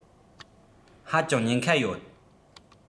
ཧ ཅང ཉེན ཁ ཡོད